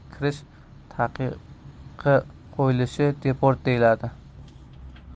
kirish taqiqi qo'yilishi deport deyiladi